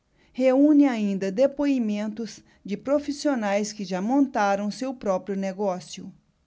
reúne ainda depoimentos de profissionais que já montaram seu próprio negócio